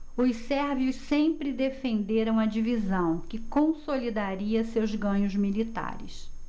os sérvios sempre defenderam a divisão que consolidaria seus ganhos militares